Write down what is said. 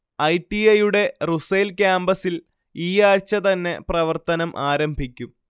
I. T. I യുടെ Rusayl ക്യാമ്പസ്സിൽ ഈയാഴ്ച്ച തന്നെ പ്രവർത്തനം ആരംഭിക്കും